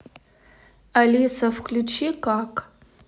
алиса включи как